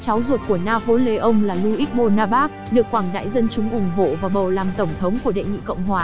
cháu ruột của napoleon là louisbonaparte được quảng đại dân chúng ủng hộ và bầu làm tổng thống của đệ nhị cộng hòa